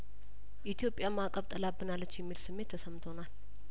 ኢትዮጵያ ማእቀብ ጥላብናለች የሚል ስሜት ተሰምቶናል